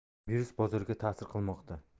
virus bozorga ta'sir qilmoqda